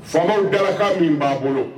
Faamamaw dalaraka min b'a bolo